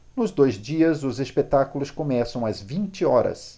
nos dois dias os espetáculos começam às vinte horas